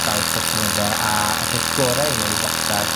gwaith dros blynydde a y peth gore i'w neud wastad